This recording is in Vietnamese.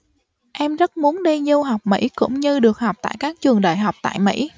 em rất muốn đi du học mỹ cũng như được học tại các trường đại học tại mỹ